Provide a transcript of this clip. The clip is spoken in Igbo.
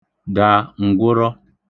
dà ǹgwụrọ